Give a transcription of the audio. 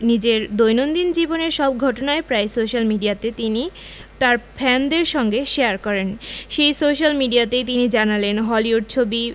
নিজের দৈনন্দিন জীবনের সব ঘটনাই প্রায় সোশ্যাল মিডিয়ায় তিনি তার ফ্যানেদের সঙ্গে শেয়ার করেন সেই সোশ্যাল মিডিয়াতেই তিনি জানালেন হলিউড ছবি